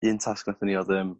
un tasg natha ni odd yym